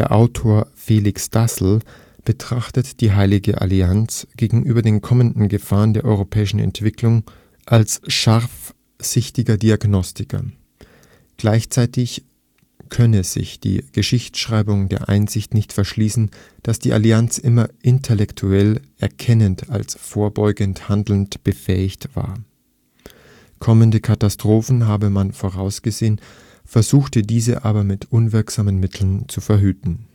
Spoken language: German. Autor Felix Dassel betrachtet die Heilige Allianz gegenüber den kommenden Gefahren der europäischen Entwicklung als scharfsichtiger Diagnostiker. Gleichzeitig könne sich die Geschichtsschreibung der Einsicht nicht verschließen, dass die Allianz mehr intellektuell erkennend als vorbeugend handelnd befähigt war. Kommende Katastrophen habe man vorausgesehen, versuchte diese aber mit unwirksamen Mitteln zu verhüten